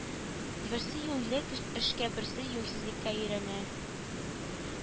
Берсе юньлек эшкә берсе юньсезлеккә өйрәнә